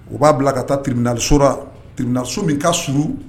U b'a bila ka taa triinalisora triinaso min ka sun